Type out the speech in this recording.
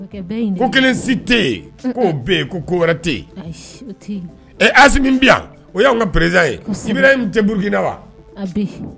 Ko kelen si tɛ ko wɛrɛ o y ka perez yebi tɛ nbaururikina wa